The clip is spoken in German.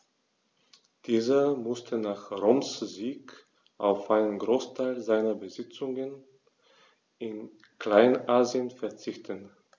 Dieser musste nach Roms Sieg auf einen Großteil seiner Besitzungen in Kleinasien verzichten.